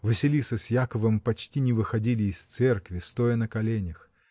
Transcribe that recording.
Василиса с Яковом почти не выходили из церкви, стоя на коленях.